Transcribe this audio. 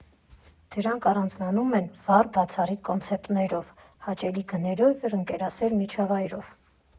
Դրանք առանձնանում են վառ, բացառիկ կոնցեպտներով, հաճելի գներով և ընկերասեր միջավայրով։